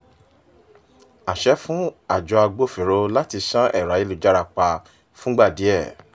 Àṣẹ fún Àjọ Agbófinró láti ṣán ẹ̀rọ ayélujára pa fúngbà díẹ̀